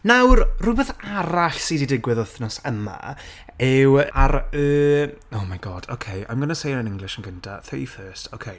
Nawr, rywbeth arall sy 'di digwydd wythnos yma, yw ar y, oh my God, ok I'm going to say it in English yn gynta, thirty first ok